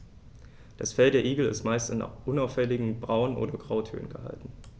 Das Fell der Igel ist meist in unauffälligen Braun- oder Grautönen gehalten.